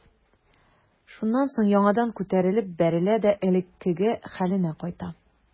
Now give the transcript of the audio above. Шуннан соң яңадан күтәрелеп бәрелә дә элеккеге хәленә кайта.